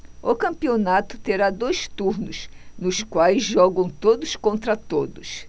o campeonato terá dois turnos nos quais jogam todos contra todos